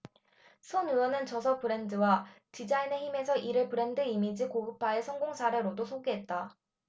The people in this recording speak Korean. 손 의원은 저서 브랜드와 디자인의 힘 에서 이를 브랜드 이미지 고급화의 성공 사례로도 소개했다